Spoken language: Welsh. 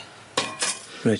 Reit.